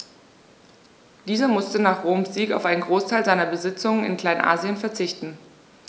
Dieser musste nach Roms Sieg auf einen Großteil seiner Besitzungen in Kleinasien verzichten.